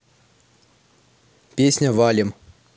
песня валим